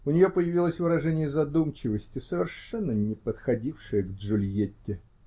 У нее появилось выражение задумчивости, совершенно не подходившее к Джульетте.